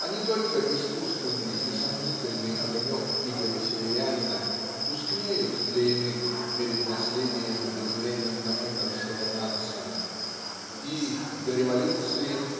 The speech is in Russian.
а не только искусственный и сомнительный огонек Игоря Северянина тускнеют для иных перед наследием безвременно умершего Надсона и до революции